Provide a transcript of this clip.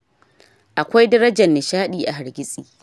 Akwai darajar nishaɗi a hargitsi.